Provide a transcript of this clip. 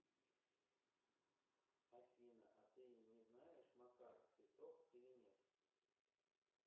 афина а ты не знаешь макар цветок или нет